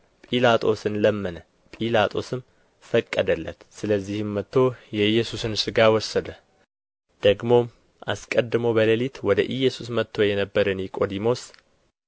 ጲላጦስን ለመነ ጲላጦስም ፈቀደለት ስለዚህም መጥቶ የኢየሱስን ሥጋ ወሰደ ደግሞም አስቀድሞ በሌሊት ወደ ኢየሱስ መጥቶ የነበረ ኒቆዲሞስ